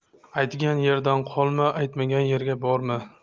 aytgan yerdan qolma aytmagan yerga borma